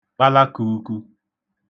kpalakūūkū